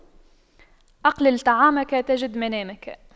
أقلل طعامك تجد منامك